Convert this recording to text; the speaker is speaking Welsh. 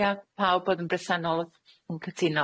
Ia pawb bod yn bresennol yn cytuno.